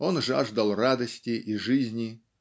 он жаждал радости и жизни